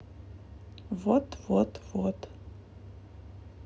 вот вот вот